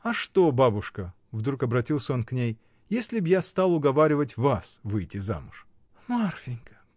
— А что, бабушка, — вдруг обратился он к ней, — если б я стал уговаривать вас выйти замуж? — Марфинька!